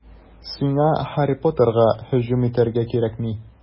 Сиңа Һарри Поттерга һөҗүм итәргә кирәкми.